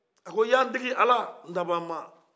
a ko ya n tigi ala n dabama